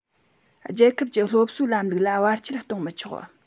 རྒྱལ ཁབ ཀྱི སློབ གསོའི ལམ ལུགས ལ བར ཆད གཏོང མི ཆོག